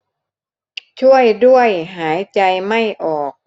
ช่วยด้วยหายใจไม่ออก